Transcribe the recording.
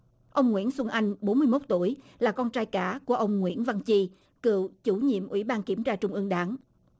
ông nguyễn xuân anh bốn mươi mốt tuổi là con trai cả của ông nguyễn văn chi cựu chủ nhiệm ủy ban kiểm tra trung ương đảng